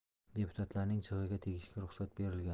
deputatlarning jig'iga tegishga ruxsat berilgandi